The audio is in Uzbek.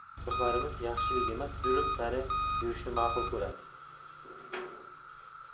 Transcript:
oyoqlarimiz yaxshilik emas zulm sari yurishni ma'qul ko'radi